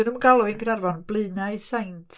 'di nhw'm yn galw hi'n Caernarfon, "Blaenau Saint".